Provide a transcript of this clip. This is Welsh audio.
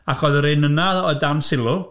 Ac oedd yr un yna oedd dan sylw...